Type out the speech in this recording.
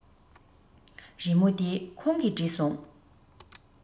རི མོ འདི ཁོང གིས བྲིས སོང